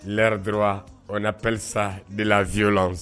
leurs droits , on appelle ça de la violance